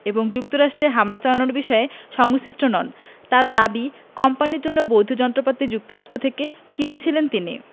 এবং যুক্তরাষ্ট্রে হামলা চালানোর বিষয়ে সংশ্লিষ্ট নন তাঁর দাবি কোম্পানির জন্য বৈধ যন্ত্রপাতি যুক্তরাষ্ট্র থেকে কিনেছিলেন তিনি